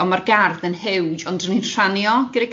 ond ma'r gardd yn huge ond 'dan ni'n rhannu o gyda